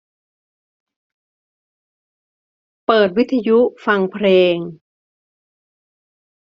เปิดวิทยุฟังเพลง